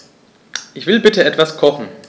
Ich will bitte etwas kochen.